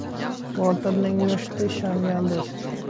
botirning mushti ishongan do'sti